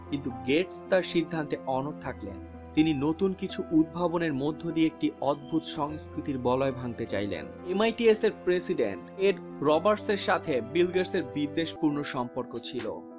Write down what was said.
কিন্তু গেটস তার সিদ্ধান্তে অনড় থাকলেন তিনি নতুন কিছু উদ্ভাবনের মধ্য দিয়ে একটি অদ্ভুত সংস্কৃতির বলয় ভাঙতে চাইলেন এম আই টি এস এর প্রেসিডেন্ট এফ রবার্টসের সাথে বিল গেটস এর বিদ্বেষপূর্ণ সম্পর্ক ছিল